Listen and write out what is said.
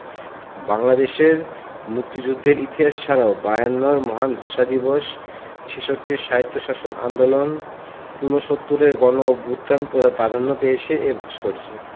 বাংলাদেশের মুক্তিযুদ্ধের ইতিহাস ছাড়াও বায়ান্নর মহান ভাষা দিবস ছেষট্টির স্বায়ত্তশাসন আন্দোলন উনসত্তুরের গণঅভ্যুত্থান প্রাধান্য পেয়েছে এ ভাস্কর্যে